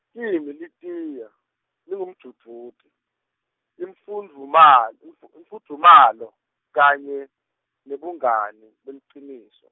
kimi litiya, lingumdvudvuti, imfudvumal-, imfu- imfudvumalo, kanye, nebungani, beliciniso.